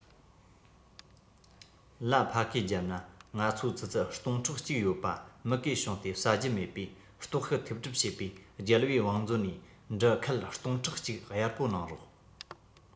ལ ཕ གིའི རྒྱབ ན ང ཚོ ཙི ཙི སྟོང ཕྲག གཅིག ཡོད པ མུ གེ བྱུང སྟེ ཟ རྒྱུ མེད བས ལྟོགས ཤི ཐེབས གྲབས བྱེད པས རྒྱལ པོའི བང མཛོད ནས འབྲུ ཁལ སྟོང ཕྲག གཅིག གཡར པོ གནང རོགས